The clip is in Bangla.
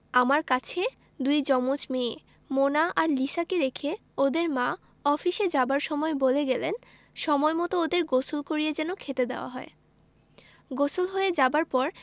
আমার কাছে দুই জমজ মেয়ে মোনা আর লিসাকে রেখে ওদের মা অফিসে যাবার সময় বলে গেলেন সময়মত ওদের গোসল করিয়ে যেন খেতে দেওয়া হয় গোসল হয়ে যাবার পর